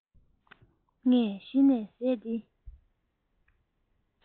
ངས གཞི ནས ཟས འདི